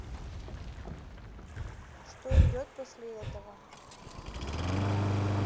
что идет после этого